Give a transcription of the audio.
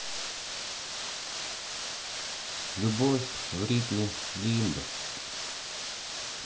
любовь в ритме лимбо